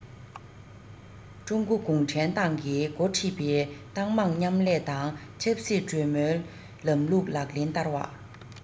ཀྲུང གོ གུང ཁྲན ཏང གིས འགོ ཁྲིད པའི ཏང མང མཉམ ལས དང ཆབ སྲིད གྲོས མོལ ལམ ལུགས ལག ལེན བསྟར བ